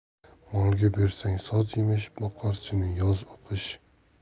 molga bersang soz yemish boqar seni yoz u qish